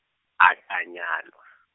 a ka nyalwa.